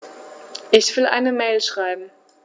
Ich will eine Mail schreiben.